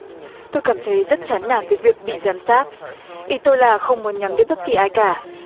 tôi cảm thấy rất chán nản với việc bị giám sát ý tôi là không muốn nhắm đến bất kỳ ai cả